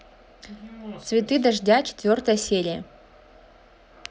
цветы дождя четвертая серия